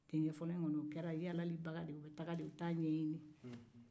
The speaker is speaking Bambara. denkɛ fɔlɔ in kɔni o kɛra yaaralibaga o taara o ta ɲɛɲini